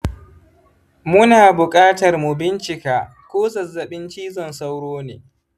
muna buƙatar mu bincika ko zazzaɓin cizon sauro ne